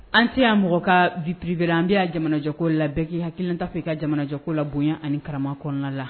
An tɛ y'a mɔgɔ ka bipbere an bɛ ka jamanajɔgo la bɛɛki hakiltaa fɛ ka jamanajɔgo la bonya ani karama kɔnɔna la